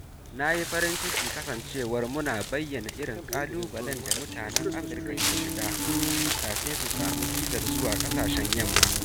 Na yi farin ciki kasancewar muna bayyana irin ƙalubalen da mutanen Afirka ke shiga kafin su samu bizar zuwa ƙasashen yamma.